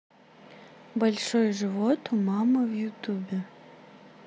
большой живот у мамы в ютубе